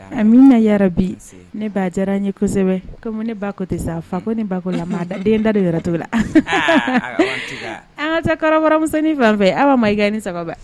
Amiina yaarabi nsee ne ba a diyara n ye kosɛbɛ comme ne ba ko ten sa fa ko ni ba ko la maa da den da do yɔrɔ t'o la aaa en tout cas an ka taa kɔrɔbɔrɔmusonnin fanfɛ Awa Maiga i ni sɔgɔma